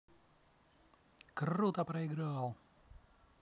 круто проиграл